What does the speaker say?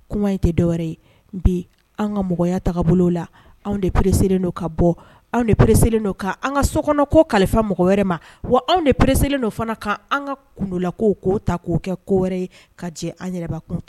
Kuma in tɛ dɔwɛrɛ ye bi an ka mɔgɔyataa bolo la anw de perese don ka bɔ anw de perese don kaan ka sokɔnɔ ko kalifa mɔgɔ wɛrɛ ma wa anw de pereselen don fana' an ka kundola ko k'o ta k'o kɛ ko wɛrɛ ka jɛ an yɛrɛraba kun ta